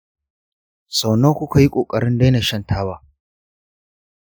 sau nawa kuka yi ƙoƙarin daina shan taba?